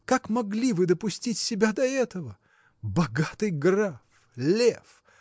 как могли вы допустить себя до этого? Богатый граф лев